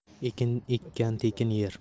ekin ekkan tekin yer